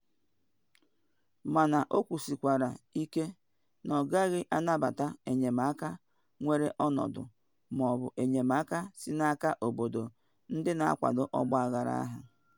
Mana o kwusikwara ike na ọ gaghị anabata enyemaka nwere ọnọdụ ma ọ bụ enyemaka si n’aka obodo ndị na akwado ọgbaghara ahụ.